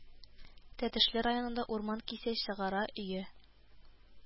Тәтешле районында урман кисә, чыгара, өя